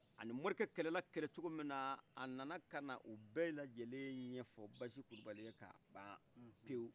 a ni morikɛ kɛlɛ la cogomin na a nana ka na o bɛɛ lajɛlen ɲɛfɔ basi kulubali ye k'a ban pewu